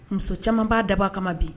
Muso caman b'a daba kama bi